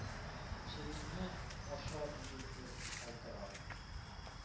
Ишегеңне ача идек дер калтырап,